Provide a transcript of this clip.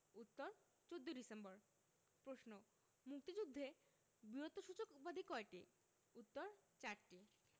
উত্তর ১৪ ডিসেম্বর প্রশ্ন মুক্তিযুদ্ধে বীরত্বসূচক উপাধি কয়টি উত্তর চারটি